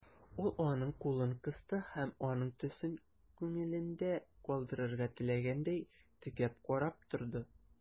Ул аның кулын кысты һәм, аның төсен күңелендә калдырырга теләгәндәй, текәп карап торды.